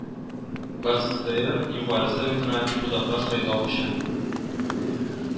БАСэСээР Югары Советына депутатлар сайлау өчен